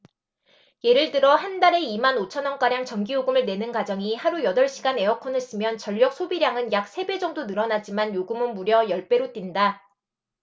예를 들어 한 달에 이 만 오천 원가량 전기요금을 내는 가정이 하루 여덟 시간 에어컨을 쓰면 전력 소비량은 약 세 배 정도 늘어나지만 요금은 무려 열 배로 뛴다